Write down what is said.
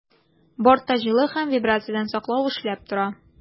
Бортта җылы һәм вибрациядән саклау эшләп тора.